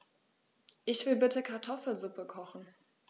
Ich will bitte Kartoffelsuppe kochen.